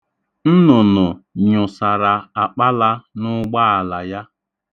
Nnụnụ nyụsara akpala n'ụgbaala ya.